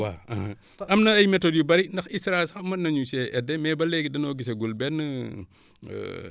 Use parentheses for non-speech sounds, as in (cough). waaw (hesitation) (hesitation) am na ay méthodes yu bari ndax ISRA sax mën nañu see aidé mais ba léegi danoo gisagul benn (hesitation) (breath) (hesitation)